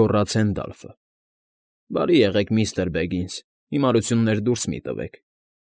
Գոռաց Հենդալֆը։֊ Բարի եղեք, միստր Բեգինս, հիմարություններ դուրս մի՛ տվեք։